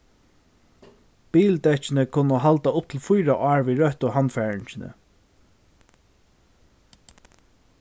bildekkini kunnu halda upp til fýra ár við røttu handfaringini